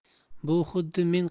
bu xuddi men